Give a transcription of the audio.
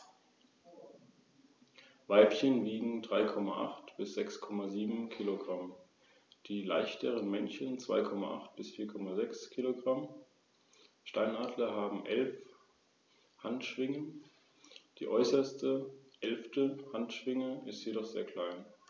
In den wenigen beobachteten Fällen wurden diese großen Beutetiere innerhalb von Sekunden getötet.